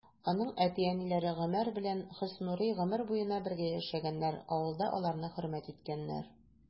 Аның әти-әниләре Гомәр белән Хөснурый гомер буена бергә яшәгәннәр, авылда аларны хөрмәт иткәннәр.